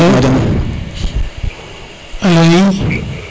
alo alo oui